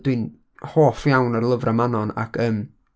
Dwi'n hoff iawn ar lyfrau Manon, ac, yym.